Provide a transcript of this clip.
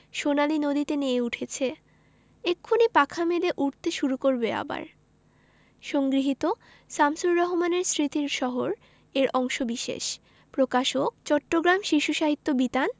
সোনালি নদীতে নেয়ে উঠেছে এক্ষুনি পাখা মেলে উড়তে শুরু করবে আবার সংগৃহীত শামসুর রাহমানের স্মৃতির শহর এর অংশবিশেষ প্রকাশকঃ চট্টগ্রাম শিশু সাহিত্য বিতান